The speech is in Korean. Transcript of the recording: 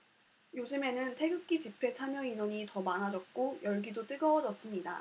요즘에는 태극기 집회 참여인원이 더 많아졌고 열기도 뜨거워졌습니다